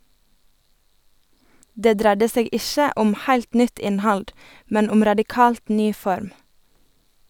Det dreidde seg ikkje om heilt nytt innhald, men om radikalt ny form.